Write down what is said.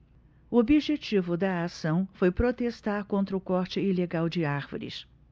o objetivo da ação foi protestar contra o corte ilegal de árvores